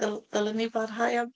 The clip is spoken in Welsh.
Ddyl-, ddylen ni barhau am...